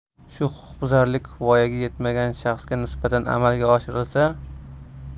shu huquqbuzarlik voyaga yetmagan shaxsga nisbatan amalga oshirilsa